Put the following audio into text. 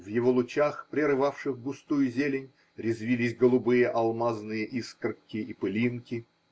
в его лучах, прерывавших густую зелень, резвились голубые алмазные искорки-пылинки.